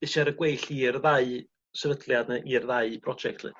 be' sy ar y gwell i'r ddau sefydliad ne' i'r ddau broject 'lly?